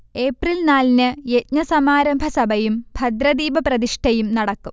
April നാലിന് യജ്ഞസമാരംഭസഭയും ഭദ്രദീപ പ്രതിഷ്ഠയും നടക്കും